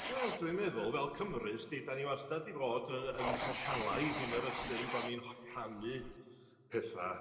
Wel dwi'n meddwl fel Cymry sdi 'dan ni wastad 'di fod yy yn sosialaidd yn yr ystyr 'yn bo' ni'n ho- rhannu petha